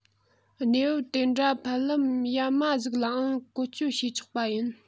གནས བབ དེ འདྲ ཕལ ལམ ཡ མ གཟུགས ལའང བཀོལ སྤྱོད བྱེད ཆོག པ ཡིན